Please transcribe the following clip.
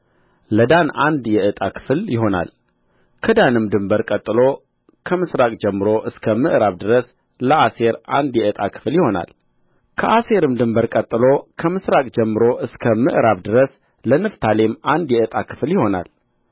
ለዳን አንድ የዕጣ ክፍል ይሆናል ከዳንም ድንበር ቀጥሎ ከምሥራቅ ጀምሮ እስከ ምዕራብ ድረስ ለአሴር አንድ የዕጣ ክፍል ይሆናል ከአሴርም ድንበር ቀጥሎ ከምሥራቅ ጀምሮ እስከ ምዕራብ ድረስ ለንፍታሌም አንድ የዕጣ ክፍል ይሆናል